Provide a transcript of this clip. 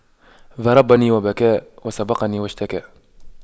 ضربني وبكى وسبقني واشتكى